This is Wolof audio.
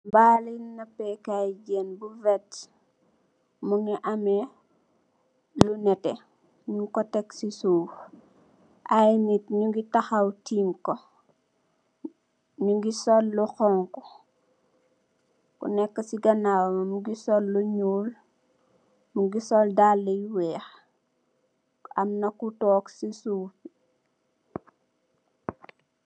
Mbaal i napee kaay jën bu vértë mu ngi amee lu nétte ñuñg ko Tek si suuf. Ay nit ñuñgi taxaw tiim ko. Ñuñgi sol lu xoñgu. Ku neek si ganaawam mu ngi sol lu ñuul, mu ngi sol dalë yu weex, am na ku toog si suuf.